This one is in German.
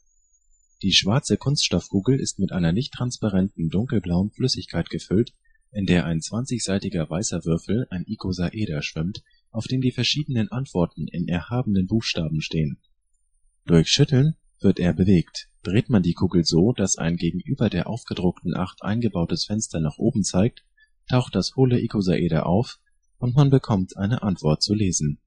Die schwarze Kunststoffkugel ist mit einer nicht-transparenten dunkelblauen Flüssigkeit gefüllt, in der ein 20-seitiger weißer Würfel, ein Ikosaeder, schwimmt, auf dem die verschiedenen Antworten in erhabenen Buchstaben stehen. Durch Schütteln wird er bewegt. Dreht man die Kugel so, dass ein gegenüber der aufgedruckten 8 eingebautes Fenster nach oben zeigt, taucht das hohle Ikosaeder auf und man bekommt eine Antwort zu lesen